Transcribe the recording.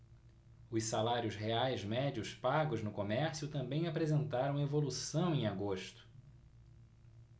os salários reais médios pagos no comércio também apresentaram evolução em agosto